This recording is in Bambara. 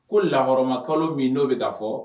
Ko lahaɔrɔmakolon min n'o bɛ ka fɔ